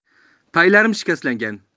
paylarim shikaslangan